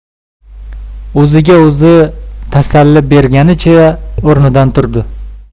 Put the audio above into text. o'ziga o'zi tasalli berganicha o'rnidan turdi